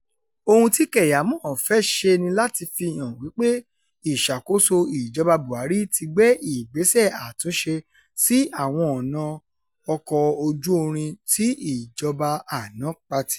Ohun tí Keyamo fẹ́ ṣe ni láti fi hàn wípé ìṣàkóso ìjọba Buhari ti gbé ìgbésẹ̀ àtúnṣe sí àwọn ọ̀nà ọkọ̀ọ ojú irin tí ìjọba àná pa tì.